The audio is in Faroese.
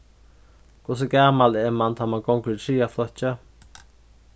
hvussu gamal er mann tá mann gongur í triðja flokki